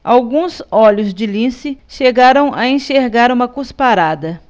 alguns olhos de lince chegaram a enxergar uma cusparada